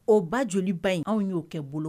O ba joliba in anw y'o kɛ bolo